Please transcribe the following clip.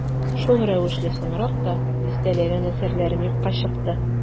Шул рәвешле соңрак та дистәләгән әсәрләрем юкка чыкты.